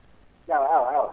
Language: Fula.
awa awa